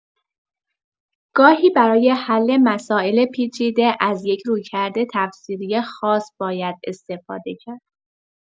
گاهی برای حل مسائل پیچیده از یک رویکرد تفسیری خاص باید استفاده کرد.